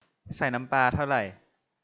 ใส่น้ำปลาเท่าไร